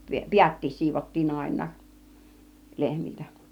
päätkin siivottiin aina lehmiltä